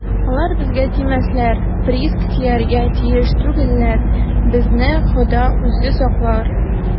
- алар безгә тимәсләр, приск, тияргә тиеш түгелләр, безне хода үзе саклар.